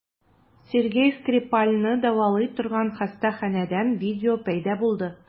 Сергей Скрипальне дәвалый торган хастаханәдән видео пәйда булды.